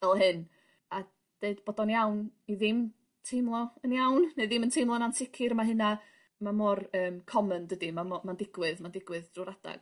fel hyn a deud bod o'n iawn i ddim teimlo yn iawn neu ddim yn teimlo'n ansicr ma' hynna ma' mor yym common dydi ma' mo- ma'n digwydd ma'n digwydd drw'r adag.